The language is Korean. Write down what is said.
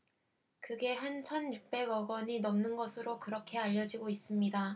그게 한 천 육백 억 원이 넘는 것으로 그렇게 알려지고 있습니다